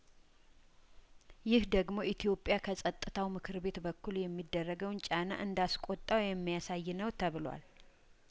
ይህ ደግሞ ኢትዮጵያ ከጸጥታው ምክር ቤት በኩል የሚደረገውን ጫና እንዳስቆጣው የሚያሳይነው ተብሏል